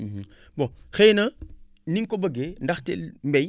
bon xëy na ni nga ko bëggee ndaxte mbay